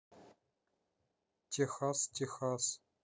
техас техас